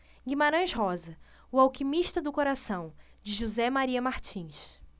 guimarães rosa o alquimista do coração de josé maria martins